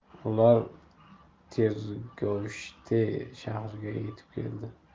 ular tirgovishte shahriga yetib keldi